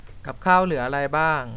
กับข้าวเหลืออะไรบ้าง